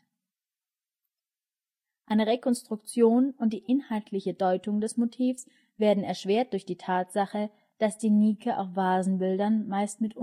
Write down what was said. Eine Rekonstruktion und die inhaltliche Deutung des Motivs werden erschwert durch die Tatsache, dass Nike auf Vasenbildern meist in unterschiedlichen Funktionen dargestellt